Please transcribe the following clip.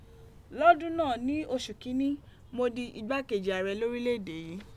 Lọdun náà ninu oṣu kinni, Mo di igakeji aarẹ orilẹ ede yìí.